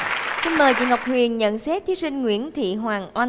xin mời chị ngọc huyền nhận xét thí sinh nguyễn thị hoàng oanh